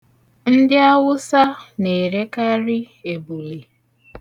Ndị awụsa na-erekarị ebule.